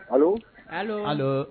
Balo